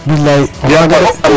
bilay oxaaga de,